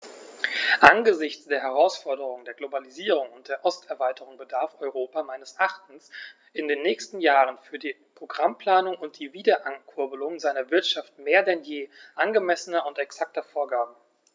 Angesichts der Herausforderung der Globalisierung und der Osterweiterung bedarf Europa meines Erachtens in den nächsten Jahren für die Programmplanung und die Wiederankurbelung seiner Wirtschaft mehr denn je angemessener und exakter Vorgaben.